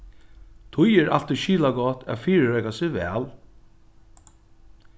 tí er altíð skilagott at fyrireika seg væl